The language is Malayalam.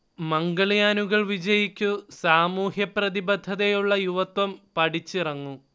മംഗൾയാനുകൾ വിജയിക്കൂ, സാമൂഹ്യ പ്രതിബദ്ധത ഉള്ള യുവത്വം പഠിച്ചിറങ്ങൂ